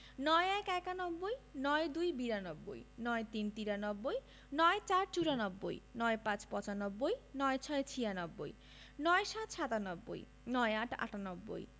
৯১ - একানব্বই ৯২ - বিরানব্বই ৯৩ - তিরানব্বই ৯৪ – চুরানব্বই ৯৫ - পচানব্বই ৯৬ - ছিয়ানব্বই ৯৭ – সাতানব্বই ৯৮ - আটানব্বই